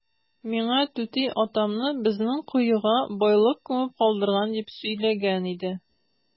Миңа түти атамны безнең коега байлык күмеп калдырган дип сөйләгән иде.